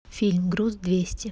фильм груз двести